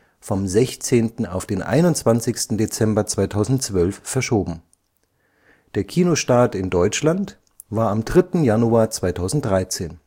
vom 16. auf den 21. Dezember 2012 verschoben. Der Kinostart in Deutschland war am 3. Januar 2013